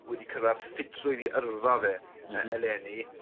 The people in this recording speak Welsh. wedi cyrradd ffitrwydd 'i yrfa fe ... M-hm. ...e- eleni.